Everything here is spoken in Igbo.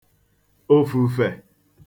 òfùfè